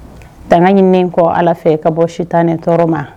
Tanga ɲin kɔ ala fɛ ka bɔ su tan ni tɔɔrɔ ma